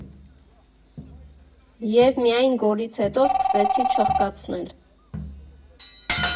Եվ միայն գոլից հետո սկսեցի չխկացնել։